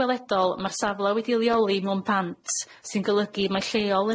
gweledol ma'r safle wedi leoli mewn bant sy'n golygu mai lleol